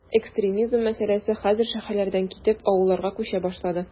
Экстремизм мәсьәләсе хәзер шәһәрләрдән китеп, авылларга “күчә” башлады.